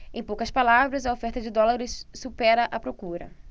em poucas palavras a oferta de dólares supera a procura